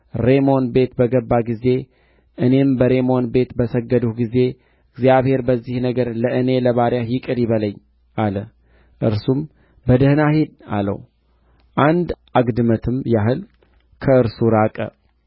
ሁለት የበቅሎ ጭነት አፈር እንድወስድ እሺ ትለኝ ዘንድ እለምንሃለሁ እግዚአብሔርም ለእኔ ለባሪያህ በዚህ ነገር ብቻ ይቅር ይበለኝ ጌታዬ በዚያ ይሰግድ ዘንድ እጄን ተደግፎ ወደ